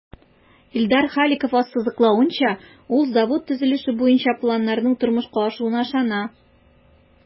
Илдар Халиков ассызыклавынча, ул завод төзелеше буенча планнарның тормышка ашуына ышана.